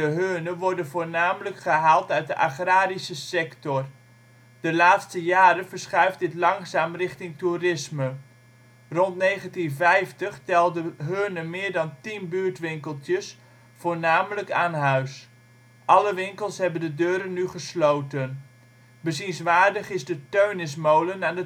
Heurne worden voornamelijk gehaald uit de agrarische sector. De laatste jaren verschuift dit langzaam richting toerisme. Rond 1950 telde Heurne meer dan tien buurtwinkeltjes, voornamelijk aan huis. Alle winkels hebben de deuren nu gesloten. Bezienswaardig is de Teunismolen aan